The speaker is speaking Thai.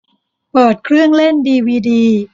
เปิดเครื่องเล่นดีวีดี